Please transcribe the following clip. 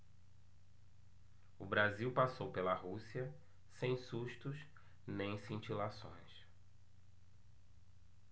o brasil passou pela rússia sem sustos nem cintilações